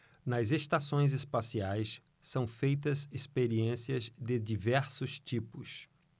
nas estações espaciais são feitas experiências de diversos tipos